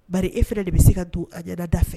Bari e fana de bɛ se ka don a jaladada fɛ